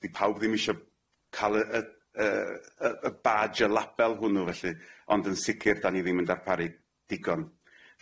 'Di pawb ddim isho ca'l y y y y y baj y label hwnnw felly ond yn sicir 'dan ni ddim yn darparu digon.